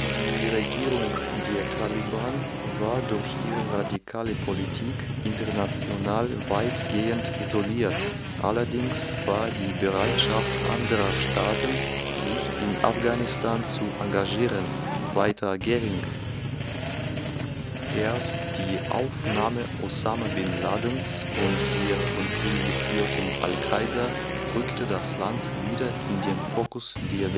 Die Regierung der Taliban war durch ihre radikale Politik international weitgehend isoliert, allerdings war die Bereitschaft anderer Staaten, sich in Afghanistan zu engagieren, weiter gering. Erst die Aufnahme Osama bin Ladens und der von ihm geführten Al-Qaida rückte das Land wieder in den Fokus der Weltpolitik